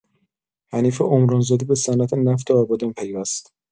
حنیف عمران زاده به صنعت‌نفت آبادان پیوست.